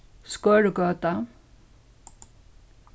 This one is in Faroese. skørugøta